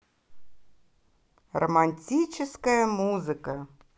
романтическая музыка